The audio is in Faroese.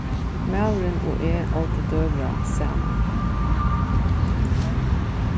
maðurin og eg ótu døgurða saman